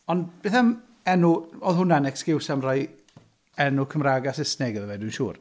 Ond beth am enw... Oedd hwnna'n excuse am roi enw Cymraeg a Saesneg iddo fe, dwi'n siŵr.